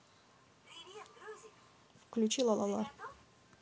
включи ла ла ла